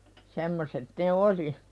semmoiset ne oli